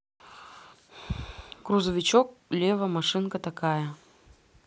грузовичок лева машинка такая